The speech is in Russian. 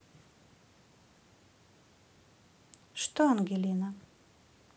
что ангелина